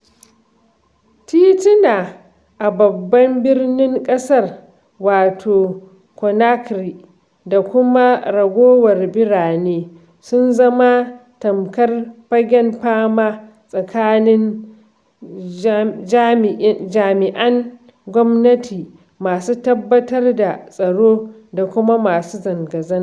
Titina a babban birnin ƙasar wato Conakry da kuma ragowar birane sun zama tamkar fagen fama tsakanin jami'an gwamnati masu tabbatar da tsaro da kuma masu zanga-zanga.